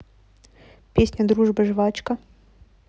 песня дружба жвачка